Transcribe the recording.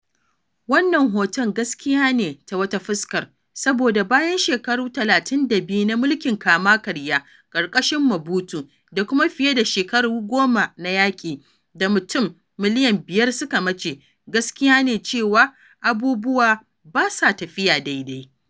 Wannan hoton gaskiya ne ta wata fuskar, saboda bayan shekaru 32 na mulkin kama-karya ƙarƙashin Mobutu, da kuma fiye da shekaru goma na yaƙi da mutum miliyan 5 suka mace, gaskiya ne cewa abubuwa ba sa tafiya daidai.